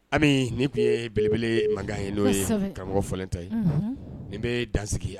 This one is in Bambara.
Ami nin tun ye belebele man n'o ye karamɔgɔ Folɛnta ye nin bɛ dan sigi